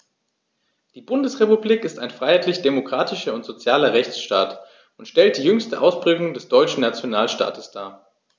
Die Bundesrepublik ist ein freiheitlich-demokratischer und sozialer Rechtsstaat und stellt die jüngste Ausprägung des deutschen Nationalstaates dar.